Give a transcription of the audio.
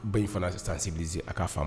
Ba in fana sisan san sigi a'a faama